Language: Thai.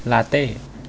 ลาเต้